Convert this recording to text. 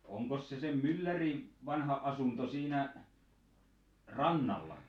onkos se sen myllärin vanha asunto siinä rannalla